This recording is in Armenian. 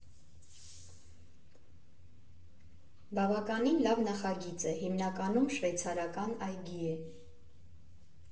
Բավականին լավ նախագիծ է, հիմնականում շվեյցարական այգի է։